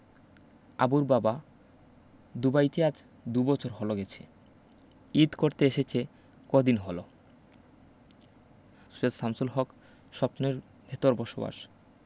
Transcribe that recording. আবুর বাবা দুবাইতে আজ দুবছর হলো গেছে ঈদ করতে এসেছে কদিন হলো সৈয়দ শামসুল হক স্বপ্নের ভেতর বসবাস